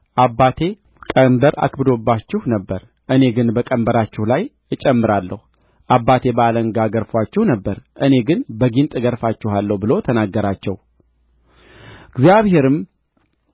አባቴ ቀንበር አክብዶባችሁ ነበር እኔ ግን በቀንበራችሁ ላይ እጨምራለሁ አባቴ በአለንጋ ገርፎአችሁ ነበር እኔ ግን በጊንጥ እገርፋችኋለሁ ብሎ ተናገራቸው እግዚአብሔርም